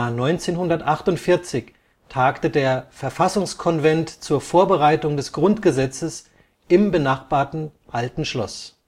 1948 tagte der Verfassungskonvent zur Vorbereitung des Grundgesetzes im benachbarten Alten Schloss